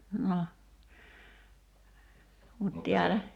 no mutta täällä